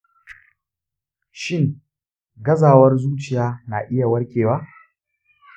shin, gazawar zuciya na iya warkewa?